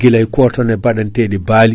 guilay kotone baɗanteɗi baali